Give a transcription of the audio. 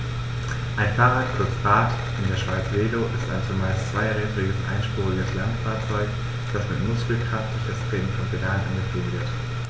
Ein Fahrrad, kurz Rad, in der Schweiz Velo, ist ein zumeist zweirädriges einspuriges Landfahrzeug, das mit Muskelkraft durch das Treten von Pedalen angetrieben wird.